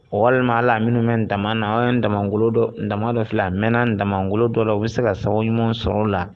O walima a la minnu bɛ dama na o ye damangolo dɔ dama dɔ fila mɛnna damangolo dɔ u bɛ se ka sababu ɲuman sɔrɔ la